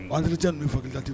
Wa ali hakiliki ca n'o fakitati